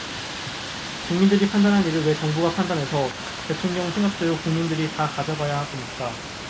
국민이 판단할 일을 왜 정부가 판단해서 대통령 생각대로 국민들이 다 가져가야 됩니까